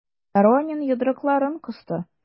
Доронин йодрыкларын кысты.